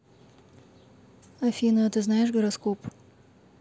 афина а ты знаешь гороскоп